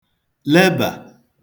lebà